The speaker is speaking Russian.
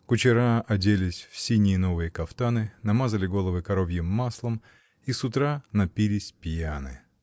Кучера оделись в синие новые кафтаны, намазали головы коровьим маслом и с утра напились пьяны.